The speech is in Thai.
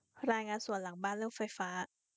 รายงานสวนหลังบ้านเรื่องไฟฟ้า